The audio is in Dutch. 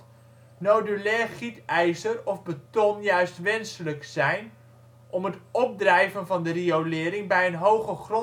nodulair gietijzer of beton juist wenselijk zijn om het opdrijven van de riolering bij een hoge